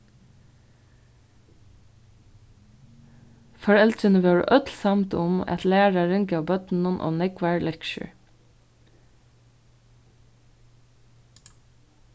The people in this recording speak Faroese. foreldrini vóru øll samd um at lærarin gav børnunum ov nógvar lektiur